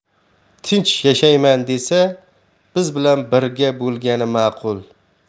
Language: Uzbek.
tinch yashayman desa biz bilan birga bo'lgani ma'qul